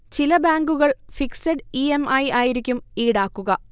ചില ബാങ്കുകൾ fixed EMI ആയിരിക്കും ഈടാക്കുക